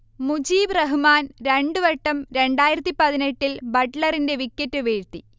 മുജീബ് റഹ്മാൻ രണ്ട് വട്ടം രണ്ടായിരത്തി പതിനെട്ടിൽ ബട്ട്ലറിന്റെ വിക്കറ്റ് വീഴ്ത്തി